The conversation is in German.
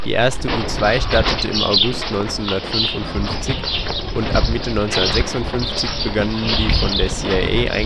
erste U-2 startete im August 1955, und ab Mitte 1956 begannen die von der CIA